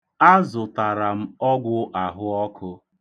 Azụtara m ọgwụ ahụọkụ.